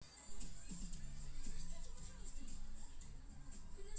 с днем рождения элита